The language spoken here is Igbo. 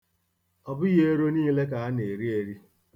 Ọ bughị ero niile ka a na-eri eri.